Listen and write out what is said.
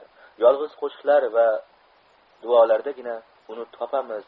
yolg'iz qo'shiqlar va duolardagina uni topamiz